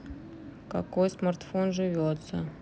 какой смартфон живется